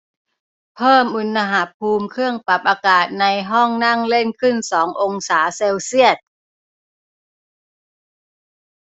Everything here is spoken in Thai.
เพิ่มอุณหภูมิเครื่องปรับอากาศในห้องนั่งเล่นขึ้นสององศาเซลเซียส